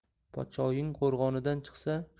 podshoying qo'rg'onidan chiqsa